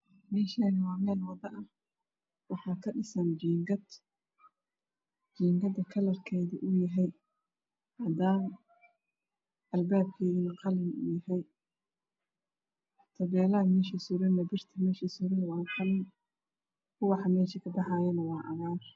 Meeshaan waa meel wada ah waxaa ka dhisan jiingad jiingadda kalarkeedu uu yahay cadaan albaabkeedu yahay qalin yahay Tabeelaha meesha suran iyo birta meesha suran waa qalin ubaxa meesha kabaxayana waa cagaar